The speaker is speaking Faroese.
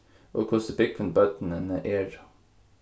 og hvussu búgvin børnini eru